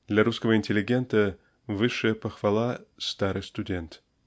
Для русского интеллигента высшая похвала: старый студент.